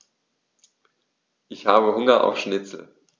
Ich habe Hunger auf Schnitzel.